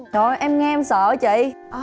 trời ơi em nghe em sợ chị